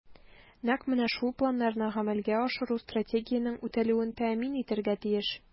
Нәкъ менә шул планнарны гамәлгә ашыру Стратегиянең үтәлүен тәэмин итәргә тиеш.